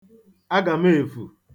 agàmeèfù